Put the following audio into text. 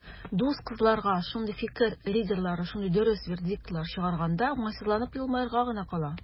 Дус кызларга шундый "фикер лидерлары" шундый дөрес вердиктлар чыгарганда, уңайсызланып елмаерга гына кала.